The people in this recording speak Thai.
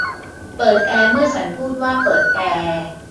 เปิดแอร์เมื่อฉันพูดว่าเปิดแอร์